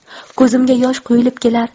ko'zimga yosh quyilib kelar